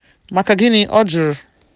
Maka gịnị? ọ jụrụ.